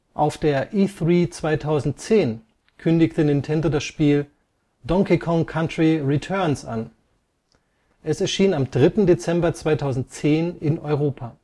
Auf der E3 2010 kündigte Nintendo das Spiel Donkey Kong Country Returns an. Es erschien am 3. Dezember 2010 in Europa